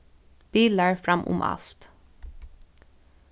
bilar fram um alt